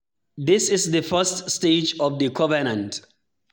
This is the first stage of the covenant.